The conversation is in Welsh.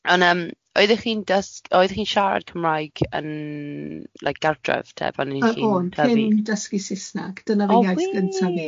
Ond yym oeddech chi'n dys- oeddech chi'n siarad Cymraeg yn like gartref te pan... Yym o'n. ...chi'n tyfu? Cyn dysgu Saesneg, dyna oedd fy iaith gyntaf i. Oh wir?